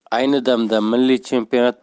ayni damda milliy chempionat